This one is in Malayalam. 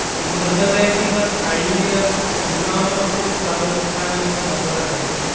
മൃതദേഹങ്ങൾ അഴിഞ്ഞിലം ജുമാ മസ്ജിദ് കബർസ്ഥാനിൽ കബറടക്കി